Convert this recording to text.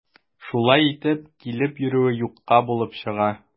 Шулай итеп, килеп йөрүе юкка булып чыга.